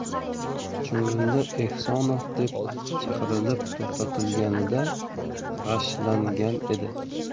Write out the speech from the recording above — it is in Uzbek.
chuvrindi ehsonov deb chaqirilib to'xtatilganida g'ashlangan edi